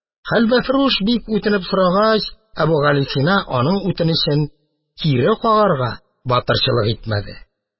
Хәлвәфрүш бик үтенеп сорагач, Әбүгалисина аның үтенечен кире кагарга батырчылык итмәде.